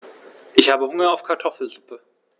Ich habe Hunger auf Kartoffelsuppe.